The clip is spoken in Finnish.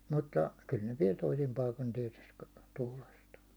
mutta kyllä ne vielä toisin paikoin tietysti tuulastaa